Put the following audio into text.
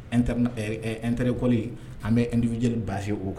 N terir kɔli ye an bɛ edi jeli basi ye o kan